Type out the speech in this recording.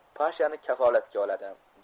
pashani kafolatga oladi